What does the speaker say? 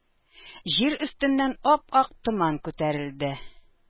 Җир өстеннән ап-ак томан күтәрелде.